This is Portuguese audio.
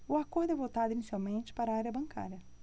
o acordo é voltado inicialmente para a área bancária